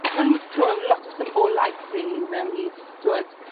yn t'wod lot o symbolaeth rili mewn i t'wod